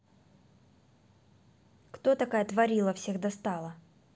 кто такая творила всех достала